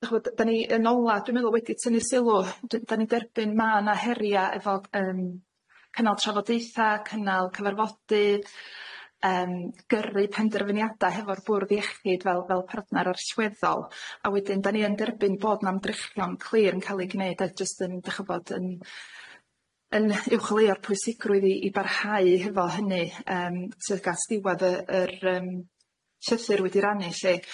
'Dych ch'mod da ni yn ola dwi meddwl wedi tynnu sylw da ni'n derbyn ma' 'na heria' efo yym cynnal trafodaetha cynnal cyfarfodydd yym gyrru penderfyniada hefo'r bwrdd iechyd fel fel partner arswyddol, a wedyn da ni yn derbyn bod 'na ymdrechion clir yn ca'l 'u gneud a jyst yn dych ch'bod yn yn uwchleuo'r pwysigrwydd i i barhau hefo hynny yym sydd gas diwadd y yr yym llythyr wedi rannu 'lly.